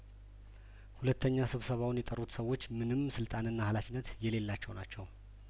ሁለተኛ ስብሰባውን የጠሩት ሰዎች ምንም ስልጣንና ሀላፊነት የሌላቸው ናቸው